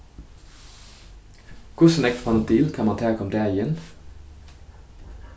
hvussu nógv panodil kann mann taka um dagin